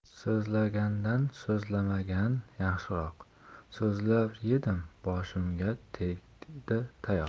so'zlagandan so'zlamagan yaxshiroq so'zlab edim boshimga tegdi tayoq